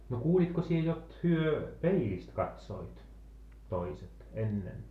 no kuulitko sinä jotta he peilistä katsoivat toiset ennen